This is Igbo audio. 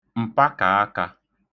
m̀pakàakā